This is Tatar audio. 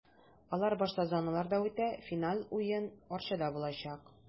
Алар башта зоналарда үтә, финал уен Арчада булачак.